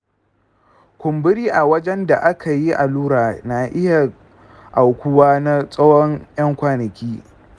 kumburi a wajen da akayi allurar na iya aukuwa na tsawon 'yan kwanaki.